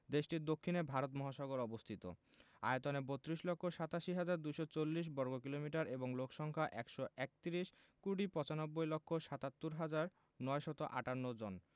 দেশটির দক্ষিণে ভারত মহাসাগর অবস্থিত আয়তন ৩২ লক্ষ ৮৭ হাজার ২৪০ বর্গ কিমি এবং লোক সংখ্যা ১৩১ কোটি ৯৫ লক্ষ ৭৭ হাজার ৯৫৮ জন